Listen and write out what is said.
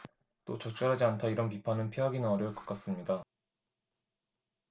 또 적절하지 않다 이런 비판은 피하기는 어려울 것 같습니다